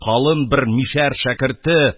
Калын бер мишәр шәкерте